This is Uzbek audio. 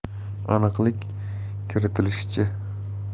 aniqlik kiritilishicha